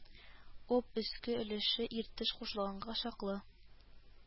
Об өске өлеше Иртеш кушылганга чаклы